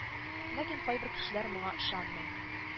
Ләкин кайбер кешеләр моңа ышанмый